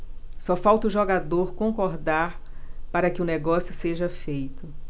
só falta o jogador concordar para que o negócio seja feito